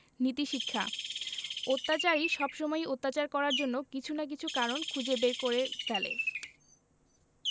নীতিশিক্ষাঃ অত্যাচারী সবসময়ই অত্যাচার করার জন্য কিছু না কিছু কারণ খুঁজে বের করে ফেলে